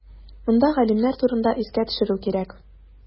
Монда галимнәр турында искә төшерү кирәк.